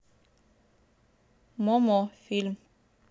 момо фильм